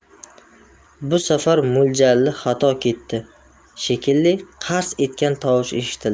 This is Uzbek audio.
bu safar mo'ljali xato ketdi shekilli qars etgan tovush eshitildi